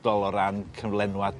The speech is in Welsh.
dyfodol o ran cyflenwad